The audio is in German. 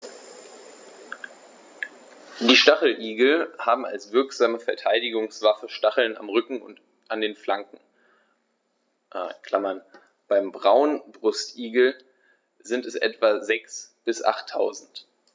Die Stacheligel haben als wirksame Verteidigungswaffe Stacheln am Rücken und an den Flanken (beim Braunbrustigel sind es etwa sechs- bis achttausend).